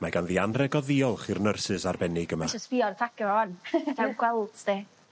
...mae ganddi anreg o ddiolch i'r nyrsys arbennig yma. Dwi isio ar y pacia' 'ma 'wan. Ca'l gweld 'sti.